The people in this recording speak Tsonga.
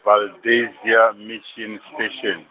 Valdezia Mission Station.